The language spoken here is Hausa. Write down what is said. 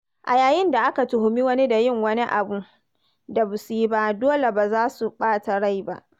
A yayin da aka tuhumi wani da yin wani abu da ba su yi ba, dole ba za su ɓata rai ba.